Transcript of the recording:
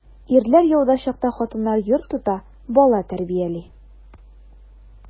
Ирләр яуда чакта хатыннар йорт тота, бала тәрбияли.